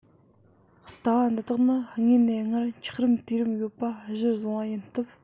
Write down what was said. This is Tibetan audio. ལྟ བ འདི དག ནི དངོས ནས སྔར འཁྱགས རོམ དུས རིམ ཡོད པ གཞིར བཟུང བ ཡིན སྟབས